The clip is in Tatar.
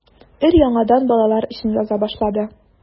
Өр-яңадан балалар өчен яза башлады.